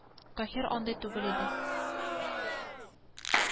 Табигатьтә барысы да исәптә.